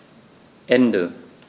Ende.